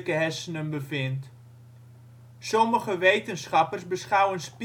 hersenen bevindt. Sommige wetenschappers beschouwen